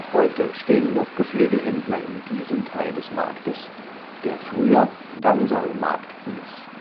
heute stehen noch Geflügelhändler in diesem Teil des Marktes, der früher „ Ganserlmarkt “hieß